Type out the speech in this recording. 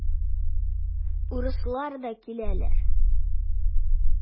Урыслар да киләләр.